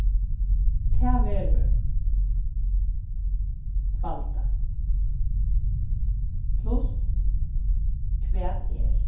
tað verður falda pluss hvat er